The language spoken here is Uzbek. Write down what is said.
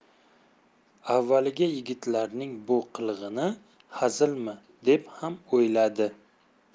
avvaliga yigitlarning bu qilig'ini hazilmi deb ham o'yladi